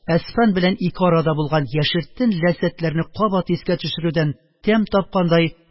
Әсфан белән ике арада булган яшертен ләззәтләрне кабат искә төшерүдән тәм тапкандай